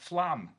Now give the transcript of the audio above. fflam.